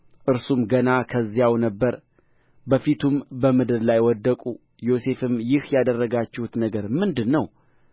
እርሱም ገና ከዚያው ነበረ በፊቱም በምድር ላይ ወደቁ ዮሴፍም ይህ ያደረጋችሁት ነገር ምንድር ነው